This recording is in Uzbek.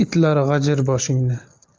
itlar g'ajir boshingni